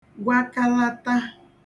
gwakalata